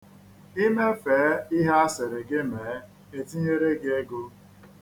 I mefee ihe a sịrị gị mee, e tinyere gị ego.